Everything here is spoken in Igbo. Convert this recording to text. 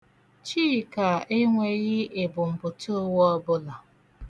Chika enweghị ebumputụụwa ọbụla.